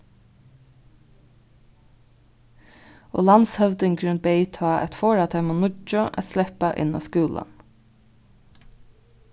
og landshøvdingurin beyð tá at forða teimum níggju at sleppa inn á skúlan